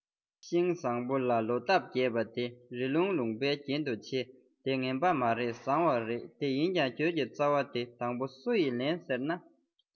ཤིང བཟང པོ ལ ལོ འདབ རྒྱས པ དེ རི ཀླུང ལུང པའི རྒྱན དུ ཆེ དེ ངན པ མ རེད བཟང བ རེད དེ ཡིན ཀྱང གྱོད ཀྱི རྩ བ དེ དང པོ སུ ཡིས ལན ཟེར ན